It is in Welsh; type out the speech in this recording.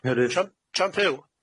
Cynnyr-. Siom- siom Puw